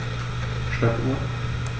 Stoppuhr.